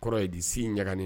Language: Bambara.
Kɔrɔ ye di si ɲaga nin na